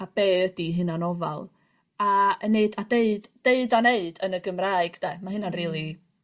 a be' ydi hunanofal a yn neud a deud deud a neud yn y Gymraeg de ma' hynna'n rili...